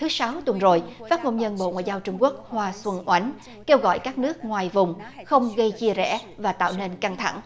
thứ sáu tuần rồi phát ngôn nhân bộ ngoại giao trung quốc hoa xuân oánh kêu gọi các nước ngoài vùng không gây chia rẽ và tạo nên căng thẳng